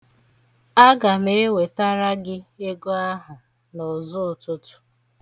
Aga m ewetara gị ego ahụ n'ụzọụtụtụ.